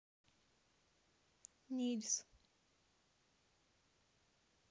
нильс